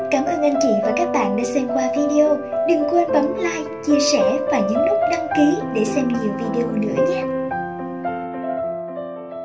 cảm ơn bạn đã xem qua video đừng quên bấm like chia sẻ và đăng ký để xem nhiều video nữa nhé